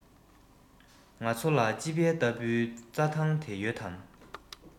ང ཚོ ལ དཔྱིད དཔལ ལྟ བུའི རྩ ཐང དེ ཡོད དམ